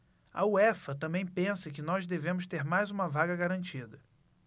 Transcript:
a uefa também pensa que nós devemos ter mais uma vaga garantida